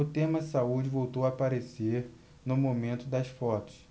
o tema saúde voltou a aparecer no momento das fotos